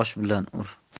osh bilan ur